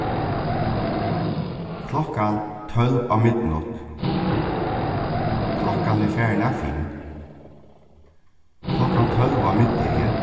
klokkan tólv á midnátt klokkan er farin av fimm klokkan tólv á middegi